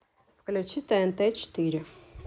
включи тнт четыре